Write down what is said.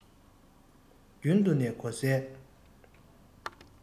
རྒྱུན དུ ནས གོ གསལ